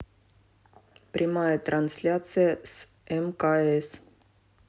прямая трансляция с мкс